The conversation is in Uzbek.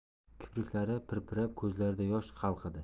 kipriklari pirpirab ko'zlarida yosh qalqidi